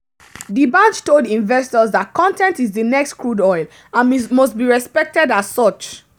Dbanj told investors that "content is the next crude oil" and must be respected as much.